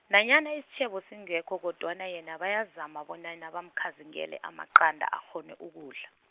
nanyana isitjhebo singekho kodwana yena bayazama bona na bamkhanzingele amaqanda akghone ukudla.